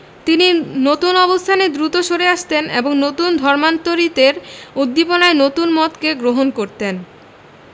তিনি নতুন অবস্থানে দ্রুত সরে আসতেন এবং নতুন ধর্মান্তরিতের উদ্দীপনায় নতুন মতকে গ্রহণ করতেন